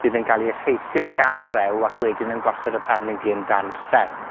fydd yn ga'l ei effeithio gan rew, ac wedyn yn gosod y planhigyn dan stress.